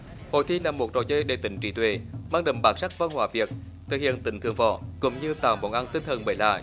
hội thi là một trò chơi đầy tính trí tuệ mang đậm bản sắc văn hóa việt thể hiện tính thượng võ cũng như tạo món ăn tinh thần mới lạ